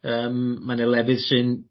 Yym ma' 'na lefydd sy'n